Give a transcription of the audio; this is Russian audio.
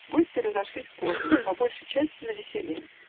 Гости разошлись поздно, и по большей части навеселе.